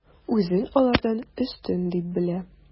Үзен алардан өстен дип белә.